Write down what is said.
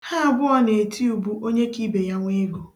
Ha abụọ na-eti ubu onye ka ibe ya nwee ego